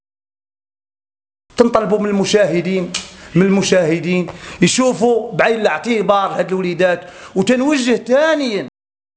ثم طلبوا من المشاهدين من المشاهدين يشوفوا بعين الاعتبار تجليدات وتوجهه ثاني